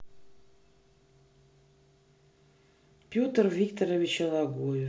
петр викторович алагуев